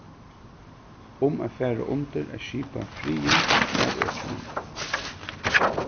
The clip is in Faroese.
um at fara undir at skipa friðing av økinum